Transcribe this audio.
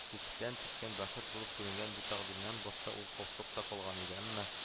Күктән төшкән бәхет булып күренгән бу тәкъдимнән башта ул каушап та калган иде, әмма